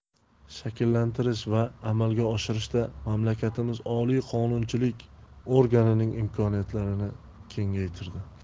shakllantirish va amalga oshirishda mamlakatimiz oliy qonunchilik organining imkoniyatlarini kengaytirdi